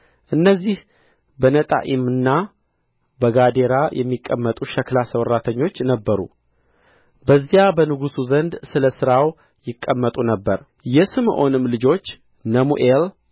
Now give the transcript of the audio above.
እነዚህ በነጣዒምና በጋዴራ የሚቀመጡ ሸክላ ሠራተኞች ነበሩ በዚያ በንጉሡ ዘንድ ስለ ሥራው ይቀመጡ ነበር የስምዖንም ልጆች ነሙኤል